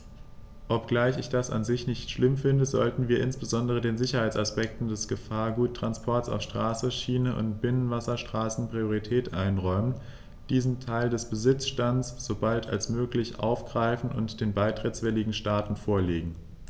Obgleich ich das an sich nicht schlimm finde, sollten wir insbesondere den Sicherheitsaspekten des Gefahrguttransports auf Straße, Schiene und Binnenwasserstraßen Priorität einräumen, diesen Teil des Besitzstands so bald als möglich aufgreifen und den beitrittswilligen Staaten vorlegen.